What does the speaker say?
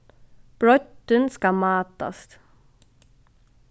breiddin skal mátast